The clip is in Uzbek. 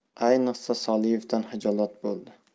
ayniqsa solievdan xijolat bo'ldi